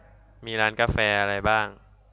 มีร้านกาแฟอะไรบ้าง